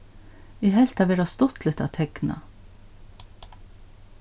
eg helt tað vera stuttligt at tekna